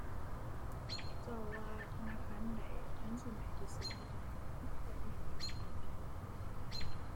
เจ้าว่าธนาคารใดทันสมัยที่สุดในตอนนี้ เพราะอิหยัง